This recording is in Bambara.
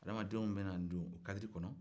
adamadew bɛna don o kadiri kɔnɔ